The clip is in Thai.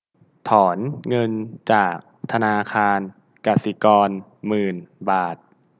ถอนเงินจากธนาคารกสิกรหมื่นบาท